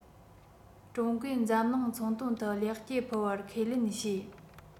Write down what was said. ཀྲུང གོས འཛམ གླིང ཚོང དོན ཐད ལེགས སྐྱེས ཕུལ བར ཁས ལེན བྱོས